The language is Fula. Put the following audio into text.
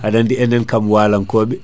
aɗa andi enen kam walankoɓe